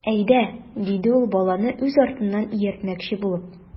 Әйдә,— диде ул, баланы үз артыннан ияртмөкче булып.